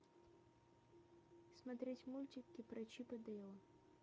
смотреть мультики про чип и дейла